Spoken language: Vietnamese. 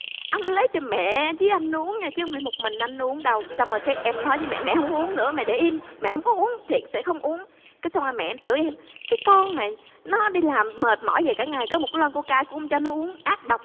anh lấy cho mẹ chí anh uống chứ hông phải một mình anh uống đâu xong rồi thế em nói với mẹ mẹ hông có uống nữa mẹ để im mẹ hông có uống thiện sẽ hông uống cái xong rồi mẹ em chửi em cái con này nó đi làm mệt mỏi dề cả ngày có một lon cô ca cũng hông cho nó uống ác độc